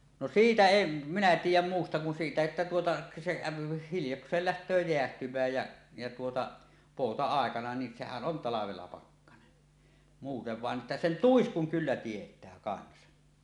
no siitä en minä tiedä muusta kuin siitä että tuota se käy hiljakseen lähtee jäähtymään ja ja tuota pouta-aikana niin sehän on talvella pakkanen muuten vain että sen tuiskun kyllä tietää kanssa